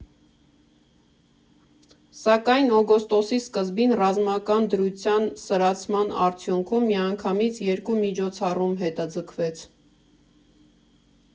Սակայն օգոստոսի սկզբին ռազմական դրության սրացման արդյունքում միանգամից երկու միջոցառում հետաձգվեց։